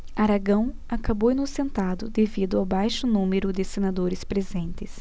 aragão acabou inocentado devido ao baixo número de senadores presentes